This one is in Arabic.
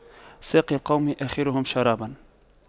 ساقي القوم آخرهم شراباً